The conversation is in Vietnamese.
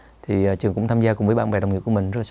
thì à trường cũng tham gia cùng với bạn bè đồng nghiệp của mình rất